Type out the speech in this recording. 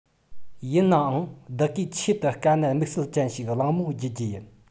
ཡིན ནའང བདག གིས ཆེད དུ དཀའ གནད དམིགས བསལ ཅན ཞིག གླེང མོལ བགྱི རྒྱུ ཡིན